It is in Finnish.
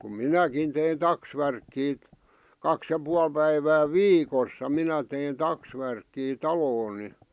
kun minäkin tein taksvärkkiä kaksi ja puoli päivää viikossa minä tein taksvärkkiä taloon niin